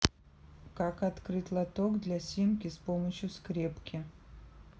как открыть лоток для симки с помощью скрепки